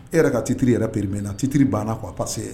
E yɛrɛ ka ttiri yɛrɛererime na titiri banna ko ao pa se ye